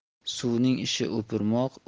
suvning ishi o'pirmoq